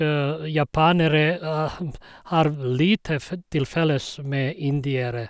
Japanere har lite fe til felles med indere.